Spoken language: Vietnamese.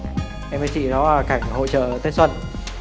em thưa chị đó là cảnh hội chợ tết xuân